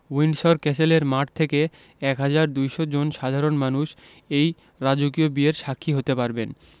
Windsor ক্যাসেলের মাঠ থেকে ১হাজার ২০০ জন সাধারণ মানুষ এই রাজকীয় বিয়ের সাক্ষী হতে পারবেন